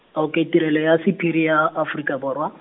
okay Tirelo ya Sephiri ya, Aforika Borwa.